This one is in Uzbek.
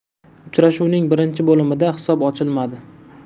uchrashuvning birinchi bo'limida hisob ochilmadi